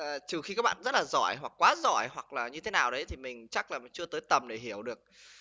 trừ khi các bạn rất là giỏi hoặc quá giỏi hoặc là như thế nào đấy thì mình chắc là chưa tới tầm để hiểu được